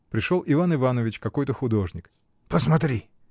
Пришел Иван Иванович, какой-то художник. — Посмотри!